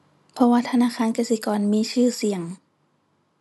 เพราะว่าธนาคารกสิกรมีชื่อเสียง